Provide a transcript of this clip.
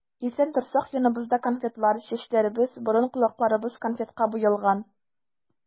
Иртән торсак, яныбызда конфетлар, чәчләребез, борын-колакларыбыз конфетка буялган.